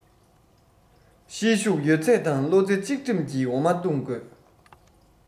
ཤེད ཤུགས ཡོད ཚད དང བློ རྩེ གཅིག སྒྲིམ གྱིས འོ མ བཏུང དགོས